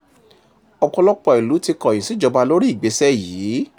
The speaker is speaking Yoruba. "Ọ̀pọ̀lọpọ̀ ìlú ti kọ̀yìn síjọba lórí ìgbésẹ̀ yìí"